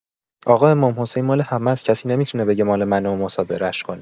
آقا امام‌حسین مال همه اس، کسی نمی‌تونه بگه مال منه و مصادره‌اش کنه!